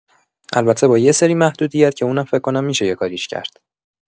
البته با یه سری محدودیت که اونم فکر کنم می‌شه یه کاریش کرد.